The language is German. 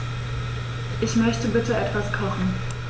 Ich möchte bitte etwas kochen.